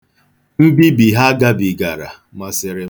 Mbibi ha gabigara, masịrị m.